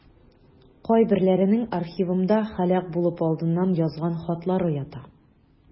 Кайберләренең архивымда һәлак булыр алдыннан язган хатлары ята.